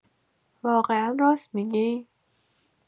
واقعا راست می‌گی؟